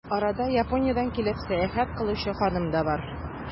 Арада, Япониядән килеп, сәяхәт кылучы ханым да бар.